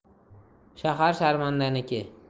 shahar sharmandaniki